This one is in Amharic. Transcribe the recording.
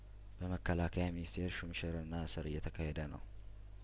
በመከላከያ ሚኒስቴር ሹም ሽር እና እስር እየተካሄደ ነው